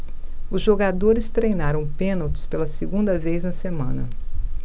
os jogadores treinaram pênaltis pela segunda vez na semana